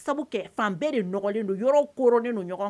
Sabu fan bɛɛ de do yɔrɔ kolen ɲɔgɔn